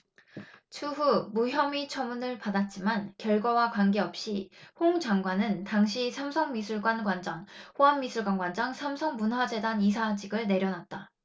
추후 무혐의 처분을 받았지만 결과와 관계없이 홍 관장은 당시 삼성미술관 관장 호암미술관 관장 삼성문화재단 이사직을 내려놨다